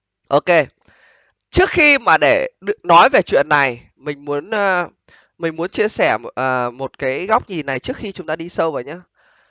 ô kê trước khi mà để nói về chuyện này mình muốn a mình muốn chia sẻ một ờ một kẻ góc nhìn này trước khi chúng đã đi sâu vào nhớ